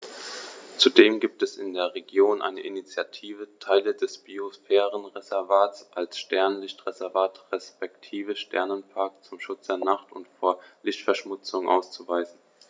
Zudem gibt es in der Region eine Initiative, Teile des Biosphärenreservats als Sternenlicht-Reservat respektive Sternenpark zum Schutz der Nacht und vor Lichtverschmutzung auszuweisen.